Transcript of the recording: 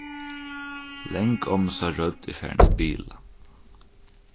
langommusa rødd er farin at bila